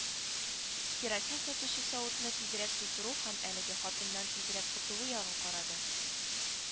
Керосин сатучы савытны тизрәк тутыру һәм әлеге хатыннан тизрәк котылу ягын карады